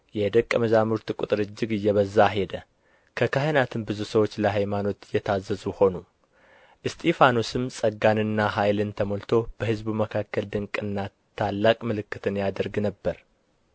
የደቀ መዛሙርት ቍጥር እጅግ እየበዛ ሄደ ከካህናትም ብዙ ሰዎች ለሃይማኖት የታዘዙ ሆኑ እስጢፋኖስም ጸጋንና ኃይልን ተሞልቶ በሕዝቡ መካከል ድንቅንና ታላቅ ምልክትን ያደርግ ነበር